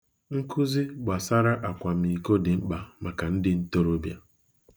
Nkụzi gbasara akwamiko dị mkpa maka ndị ntorobịa